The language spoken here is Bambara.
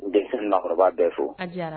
Dɛsɛ nakɔrɔba bɛɛ fo